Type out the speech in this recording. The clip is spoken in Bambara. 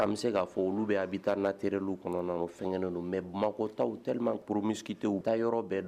An bɛ se' fɔ olu bɛ a bi taa n na terir kɔnɔna o fɛn don mɛ mabɔta teelima kurumkitew ta yɔrɔ bɛɛ don